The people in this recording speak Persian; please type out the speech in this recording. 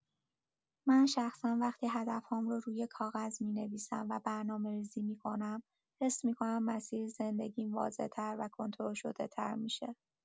من شخصا وقتی هدف‌هام رو روی کاغذ می‌نویسم و برنامه‌ریزی می‌کنم، حس می‌کنم مسیر زندگیم واضح‌تر و کنترل‌شده‌تر می‌شه.